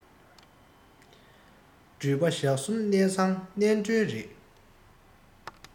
འགྲུལ པ ཞག གསུམ གནས ཚང གནས མགྲོན རེད